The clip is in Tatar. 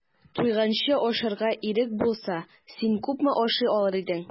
Туйганчы ашарга ирек булса, син күпме ашый алыр идең?